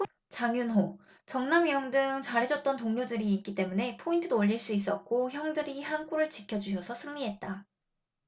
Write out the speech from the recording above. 장윤호 정남이형 등 잘해줬던 동료들이 있기 때문에 포인트도 올릴 수 있었고 형들이 한골을 지켜주셔서 승리했다